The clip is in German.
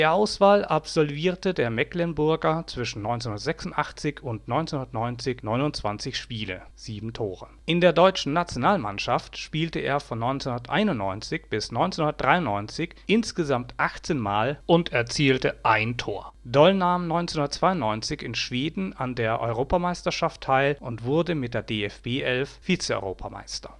DDR-Auswahl absolvierte der Mecklenburger zwischen 1986 und 1990 29 Spiele (sieben Tore). In der deutschen Nationalmannschaft spielte er von 1991 bis 1993 insgesamt 18 Mal und erzielte ein Tor. Doll nahm 1992 in Schweden an der Europameisterschaft teil und wurde mit der DFB-Elf Vize-Europameister